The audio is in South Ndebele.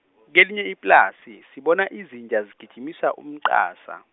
kelinye iplasi, sibona izinja zigijimisa umqasa.